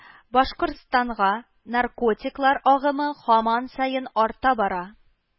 Башкортстанга наркотиклар агымы һаман саен арта бара